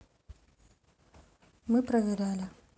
мы проверяли